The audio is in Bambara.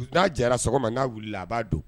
N'a jara sɔgɔma n'a wili a b'a don